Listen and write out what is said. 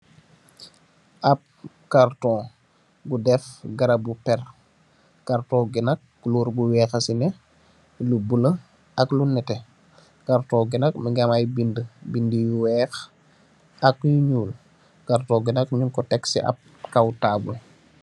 Ahbb karton bu deff garabu pehrre, karton gui nak couleur gu wekh haa cii neh, lu bleu ak lu nehteh, karton gui nak mungy am aiiy bindue, bindue yu wekh ak yu njull, karton gui nak njung kor tek cii ahbb kaw taabul.